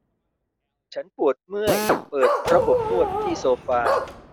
ฉันปวดเมื่อยเปิดระบบนวดที่โซฟา